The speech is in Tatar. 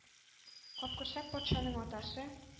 Капкорсак патшаның атасы